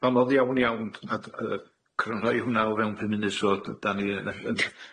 anodd iawn iawn na- y- crynhoi hwnna o fewn pum munud so d- dan ni yn yyy